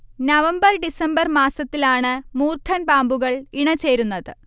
November December മാസത്തിലാണ് മൂർഖൻ പാമ്പുകൾ ഇണചേരുന്നത്